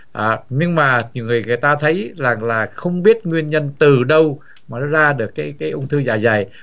à nhưng mà người người ta thấy răng là không biết nguyên nhân từ đâu mà nó ra được cái cái ung thư dạ dày